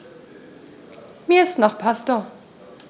Mir ist nach Pasta.